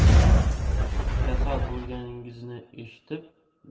kasal bo'lganingizni eshitib